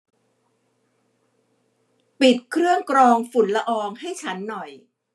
ปิดเครื่องกรองฝุ่นละอองให้ฉันหน่อย